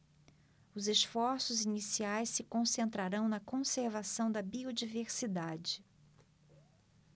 os esforços iniciais se concentrarão na conservação da biodiversidade